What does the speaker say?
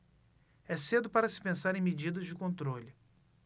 é cedo para se pensar em medidas de controle